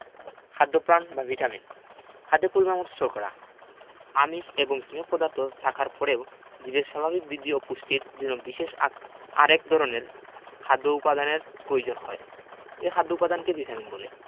খাদ্যপ্রাণ বা ভিটামিন খাদ্যে পরিমাণমতো শর্করা আমিষ এবং স্নেহ পদার্থ থাকার পরেও জীবের স্বাভাবিক বৃদ্ধি ও পুষ্টির জন্য বিশেষ আরেক ধরনের খাদ্য উপাদানের প্রয়োজন হয় ঐ খাদ্য উপাদানকে ভিটামিন বলে